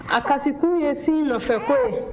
a kasikun ye sin nɔfɛko ye